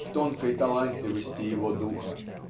в тонкой талантливости его духа